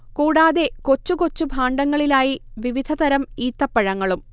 കൂടാതെ കൊച്ചു കൊച്ചു ഭാണ്ഡങ്ങളിലായി വിവിധതരം ഈത്തപ്പഴങ്ങളും